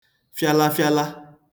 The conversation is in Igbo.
fịalafịala